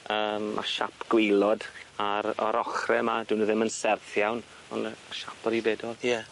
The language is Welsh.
Yym ma' siap gwaelod ar o'r ochre 'ma 'dyn nw ddim yn serth iawn on' yy siap yr u bedol. Ie.